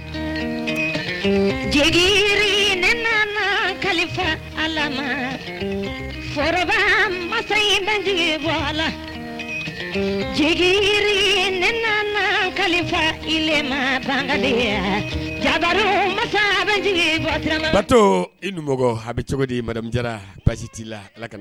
Jigi ne nana kalifa a forobamasa in bɛ jigi bɔ a la jigi ne nana kalifa i maya jamasa bɛ jigi kira bato i ni a bɛ cogo dimu jara basi t' la